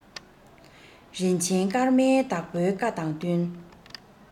རིན ཆེན སྐར མའི བདག པོའི བཀའ དང བསྟུན